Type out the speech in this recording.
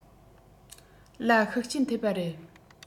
ལ ཤུགས རྐྱེན ཐེབས པ རེད